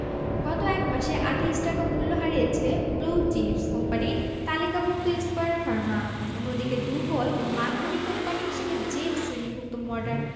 গত এক মাসে ২৮ টাকা মূল্য হারিয়েছে ব্লু চিপস কোম্পানির তালিকাভুক্ত স্কয়ার ফার্মা অন্যদিকে দুর্বল ও মানহানি কোম্পানি হিসেবে জেড শ্রেণিভুক্ত মর্ডান